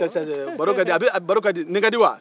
sɛ-sɛ baro kadi nin kadi wa